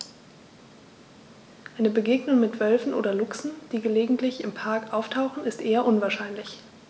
Eine Begegnung mit Wölfen oder Luchsen, die gelegentlich im Park auftauchen, ist eher unwahrscheinlich.